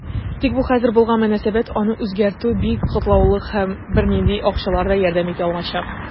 Тик бу хәзер булган мөнәсәбәт, аны үзгәртү бик катлаулы, һәм бернинди акчалар да ярдәм итә алмаячак.